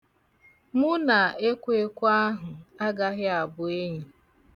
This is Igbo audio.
Mụ na ekweekwe ahụ agaghị abụ enyi.